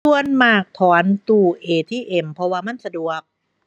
ส่วนมากถอนตู้ ATM เพราะว่ามันสะดวก